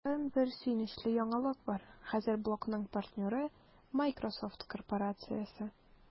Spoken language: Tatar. Тагын бер сөенечле яңалык бар: хәзер блогның партнеры – Miсrosoft корпорациясе!